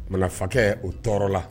Kumana fankɛ o tɔɔrɔ la.